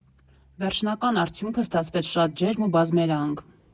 Վերջնական արդյունքը ստացվեց շատ ջերմ ու բազմերանգ։